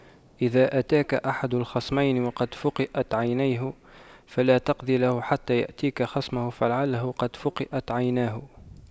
إذا أتاك أحد الخصمين وقد فُقِئَتْ عينه فلا تقض له حتى يأتيك خصمه فلعله قد فُقِئَتْ عيناه